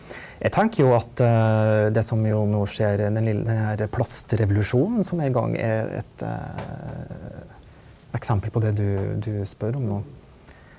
jeg tenker jo at det som jo nå skjer den den her plastrevolusjonen som er i gang er et eksempel på det du du spør om nå.